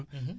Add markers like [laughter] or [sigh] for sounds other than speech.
[hesitation] [hesitation]